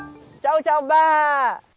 cháu chào bà